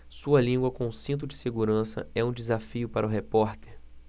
sua língua com cinto de segurança é um desafio para o repórter